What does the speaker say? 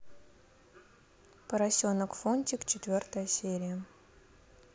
поросенок фунтик четвертая серия